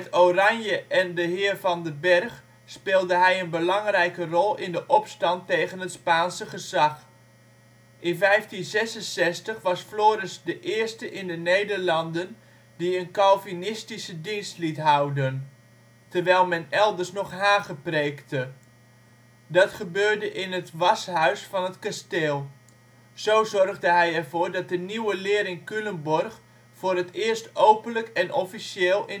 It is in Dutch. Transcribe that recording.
Oranje en de heer Van den Bergh speelde hij een belangrijke rol in de opstand tegen het Spaanse gezag. In 1566 was Floris de eerste in de Nederlanden die een Calvinistische dienst liet houden, terwijl men elders nog hagepreekte. Dat gebeurde in het washuis van het kasteel. Zo zorgde hij ervoor dat de nieuwe leer in Culemborg voor het eerst openlijk en officieel